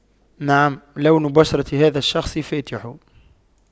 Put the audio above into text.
نعم لون بشرة هذا الشخص فاتح